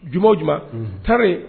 Juma juma taarare